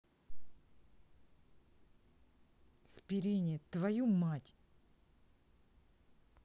спирине твою мать